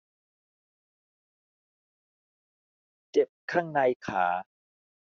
เจ็บข้างในขา